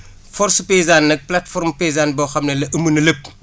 force paysane nag plateforme paysane boo xam ne la ëmb na lépp